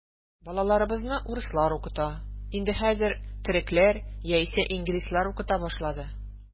Балаларыбызны урыслар укыта, инде хәзер төрекләр яисә инглизләр укыта башлады.